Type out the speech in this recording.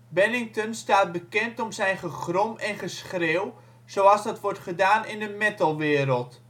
Bennington staat bekend om zijn gegrom en geschreeuw zoals dat wordt gedaan in de metalwereld